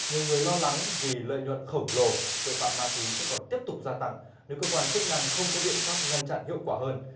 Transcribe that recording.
nhiều người lo lắng vì lợi nhuận khổng lồ tội phạm ma túy sẽ còn tiếp tục gia tăng nếu cơ quan chức năng không có biện pháp ngăn chặn hiệu quả hơn